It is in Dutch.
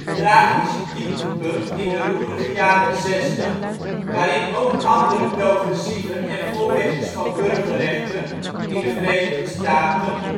tragische dieptepunt in de roerige jaren 60 waarin ook andere progressieven en voorvechters van burgerrechten in de Verenigde Staten